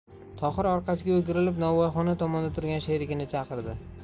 tohir orqasiga o'girilib novvoyxona tomonda turgan sherigini chaqirdi